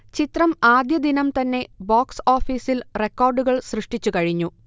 ചിത്രം ആദ്യദിനം തന്നെ ബോക്സ് ഓഫീസിൽ റെക്കോർഡുകൾ സൃഷ്ടിച്ച് കഴിഞ്ഞു